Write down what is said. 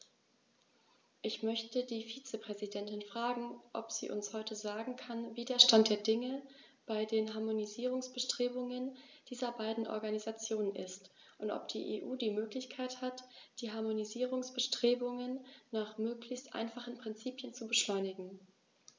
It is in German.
Ich möchte die Vizepräsidentin fragen, ob sie uns heute sagen kann, wie der Stand der Dinge bei den Harmonisierungsbestrebungen dieser beiden Organisationen ist, und ob die EU die Möglichkeit hat, die Harmonisierungsbestrebungen nach möglichst einfachen Prinzipien zu beschleunigen.